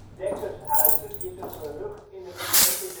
Dekkershuizen is een gehucht in de gemeente